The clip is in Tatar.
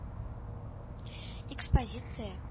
Экспозиция